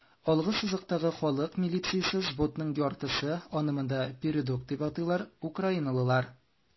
Алгы сызыктагы халык милициясе взводының яртысы (аны монда "передок" дип атыйлар) - украиналылар.